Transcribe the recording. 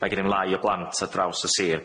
mae gennym lai o blant ar draws y sir.